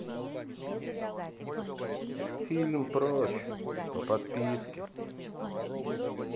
фильм прочь по подписке